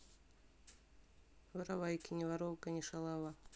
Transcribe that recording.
воровайки ни воровка ни шалава